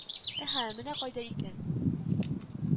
Әһә, менә кайда икән